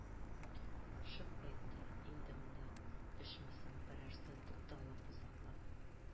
Шып кайтты, инде монда, ичмасам, берәрсе, тукталып озаклап